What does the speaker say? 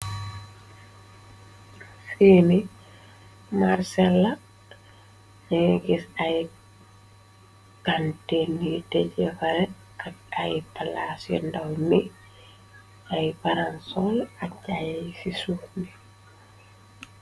Fiini marcella la gis ay kante ngi teje faret kat ay palasyu ndaw mi ay paransol ak jay ci suux mi.